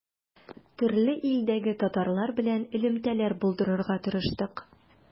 Төрле илдәге татарлар белән элемтәләр булдырырга тырыштык.